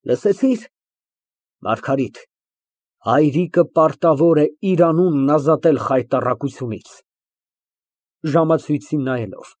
Լսեցի՞ր։ Մարգարիտ, հայրիկը պարտավոր է իր անունն ազատել խայտառակությունից։ (Ժամացույցին նայելով)։